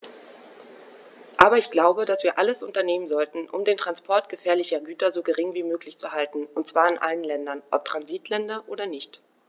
Aber ich glaube, dass wir alles unternehmen sollten, um den Transport gefährlicher Güter so gering wie möglich zu halten, und zwar in allen Ländern, ob Transitländer oder nicht.